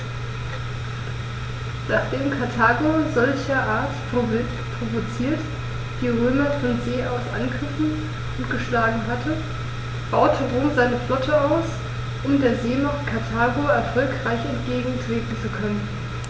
Nachdem Karthago, solcherart provoziert, die Römer von See aus angegriffen und geschlagen hatte, baute Rom seine Flotte aus, um der Seemacht Karthago erfolgreich entgegentreten zu können.